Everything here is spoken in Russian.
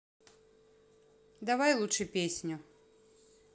давай лучше песню